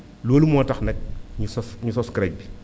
loolu moo tax nag ñu sos ñu sos CREC bi